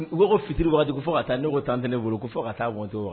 U wa fitiri waga fo ka taa n ko tan tɛ ne bolo' fɔ ka taa gto wa